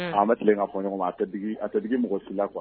A bɛ tilen ka fɔ ɲɔgɔn a a tɛ d mɔgɔ si la kuwa